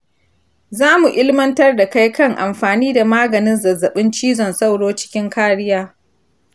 zamu ilmantar da kai kan amfani da maganin zazzaɓin cizon sauro cikin kariya.